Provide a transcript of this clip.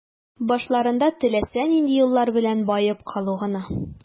Башларында теләсә нинди юллар белән баеп калу гына.